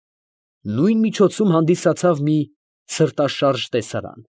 Նույն միջոցում հանդիսացավ մի սրտաշարժ տեսարան։